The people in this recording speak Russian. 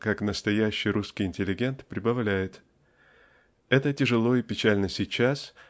как настоящий русский интеллигент прибавляет "Это тяжело и печально сейчас